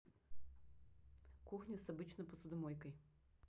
кухня с обычной посудомойкой